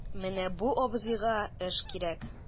Менә бу абзыйга эш кирәк...